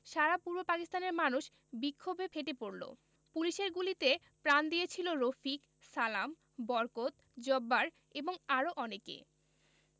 সারা পূর্ব পাকিস্তানের মানুষ বিক্ষোভে ফেটে পড়ল পুলিশের গুলিতে প্রাণ দিয়েছিল রফিক সালাম বরকত জব্বার এবং আরো অনেকে